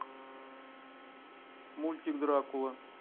мультик дракула